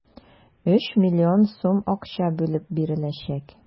3 млн сум акча бүлеп биреләчәк.